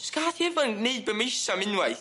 Jyst gad i Efan neud be ma eisa am unwaith.